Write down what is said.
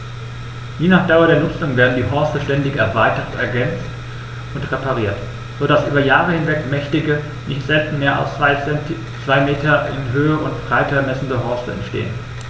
Je nach Dauer der Nutzung werden die Horste ständig erweitert, ergänzt und repariert, so dass über Jahre hinweg mächtige, nicht selten mehr als zwei Meter in Höhe und Breite messende Horste entstehen.